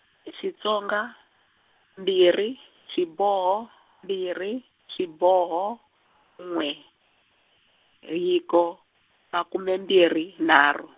i Xitsonga, mbirhi xiboho mbirhi xiboho, n'we, hiko makume mbirhi nharhu.